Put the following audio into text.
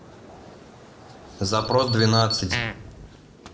запрос двенадцать